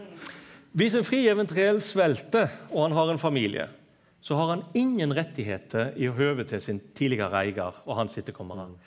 viss ein frigjeven træl svelt og han har ein familie så har han ingen rettar i høvet til sin tidlegare eiger og hans etterkommarar.